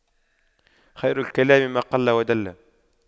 خير الكلام ما قل ودل